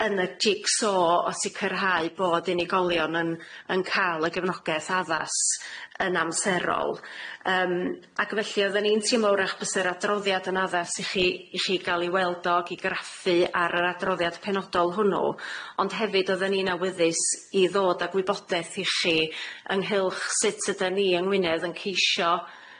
yn y jigsaw o sicrhau bod unigolion yn yn ca'l y gefnogaeth addas yn amserol yym ac felly oddan ni'n teimlo wrach byse'r adroddiad yn addas i chi i chi ga'l i weld o ag i graffu ar yr adroddiad penodol hwnnw ond hefyd odden ni'n awyddus i ddod â gwybodaeth i chi ynghylch sut ydan ni yng Ngwynedd yn ceisio